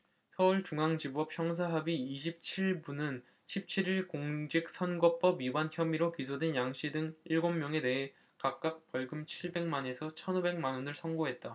서울중앙지법 형사합의 이십 칠 부는 십 칠 일 공직선거법 위반 혐의로 기소된 양씨 등 일곱 명에 대해 각각 벌금 칠백 만 에서 천 오백 만원을 선고했다